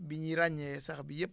bi ñiy ràññee sax bi yëpp